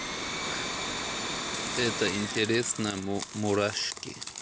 это интересно мурашки